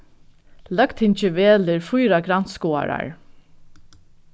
løgtingið velur fýra grannskoðarar